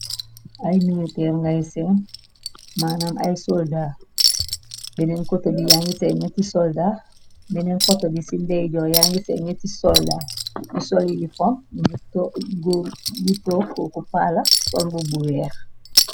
Ay miniterr ngay seen manam ay soldaa, beneen kota bi yangi sey ñetti solda beneen kota bi ci ndeejoo yangi sey ñetti solda nu solili fom gu tooko ku paala solbu bu weex.